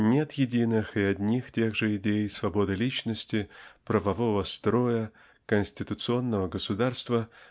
Нет единых и одних и тех же идей свободы личности правового строя конституционного государства